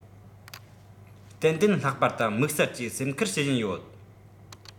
ཏན ཏན ལྷག པར དུ དམིགས བསལ གྱིས སེམས ཁུར བྱེད བཞིན ཡོད